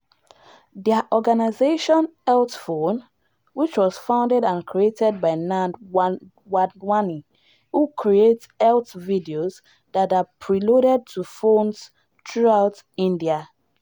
Their organization, HealthPhone, which was founded and created by Nand Wadhwani, who creates health videos that are preloaded to phones throughout India.